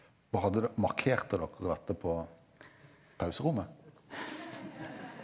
og hadde markerte dere dette på pauserommet?